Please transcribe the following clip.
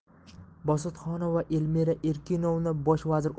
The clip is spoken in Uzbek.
bositxonova elmira erkinovna bosh vazir